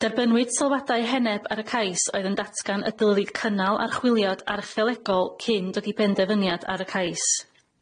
Derbynnwyd sylwadau heneb ar y cais oedd yn datgan y dylid cynnal archwiliad archeolegol cyn dod i penderfyniad ar y cais.